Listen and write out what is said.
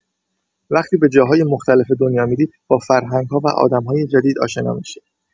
وقتی به جاهای مختلف دنیا می‌ری، با فرهنگ‌ها و آدم‌های جدید آشنا می‌شی.